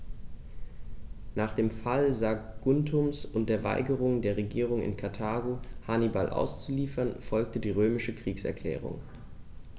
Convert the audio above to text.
Nach dem Fall Saguntums und der Weigerung der Regierung in Karthago, Hannibal auszuliefern, folgte die römische Kriegserklärung.